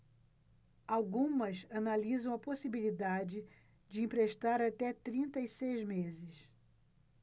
algumas analisam a possibilidade de emprestar até trinta e seis meses